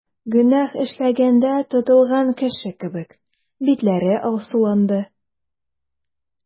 Гөнаһ эшләгәндә тотылган кеше кебек, битләре алсуланды.